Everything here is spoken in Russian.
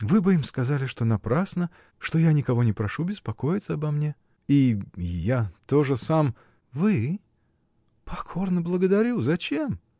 Вы бы им сказали, что напрасно, что я никого не прошу беспокоиться обо мне. — И. я тоже сам. — Вы? покорно благодарю: зачем?